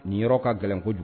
Nin yɔrɔ ka gɛlɛnko kojugu